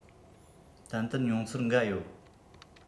ཏན ཏན མྱོང ཚོར འགའ ཡོད